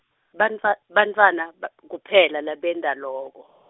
bantfwa- bantfwana ba, kuphela labenta loko.